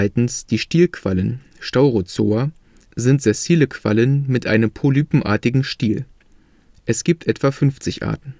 Die Stielquallen (Staurozoa) sind sessile Quallen mit einem polypenartigen Stiel. Es gibt etwa 50 Arten